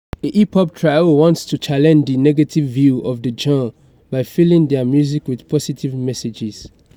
A hip hop trio wants to challenge the negative view of the genre by filling their music with positive messages.